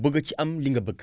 bëgg ci am li nga bëgg